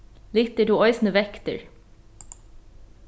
lyftir tú eisini vektir